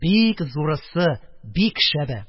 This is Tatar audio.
Бик зурысы, бик шәбе!